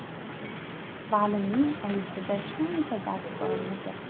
valining oyisida shuncha dard bormidi